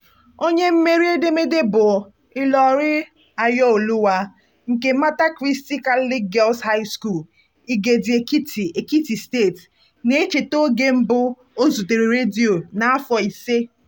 Onye mmeri edemede bụ Ìlọ̀rí Ayọ̀olúwa nke Mater Christi Catholic Girls' High School, Igede Èkìtì, Èkìtì State, na-echeta oge mbụ o zutere redio na afọ 5: